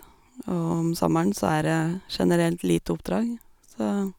Og om sommeren så er det generelt lite oppdrag, så...